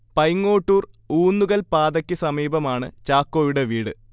പൈങ്ങോട്ടൂർ - ഊന്നുകൽ പാതയ്ക്ക് സമീപമാണ് ചാക്കോയുടെ വീട്